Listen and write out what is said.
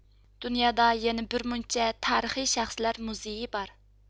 دۇنيادا يەنە بىرمۇنچە تارىخىي شەخسلەر مۇزېيى بار